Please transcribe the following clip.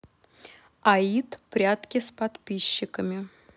аид прятки с подписчиками